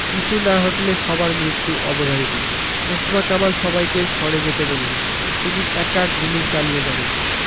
পিছু না হটলে সবার মৃত্যু অবধারিত মোস্তফা কামাল সবাইকে সরে যেতে বললেন তিনি একা গুলি চালিয়ে যাবেন